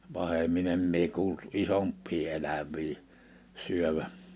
pahemmin en minä kuullut isompia eläviä syövän